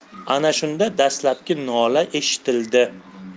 ana shunda dastlabki nola eshitildi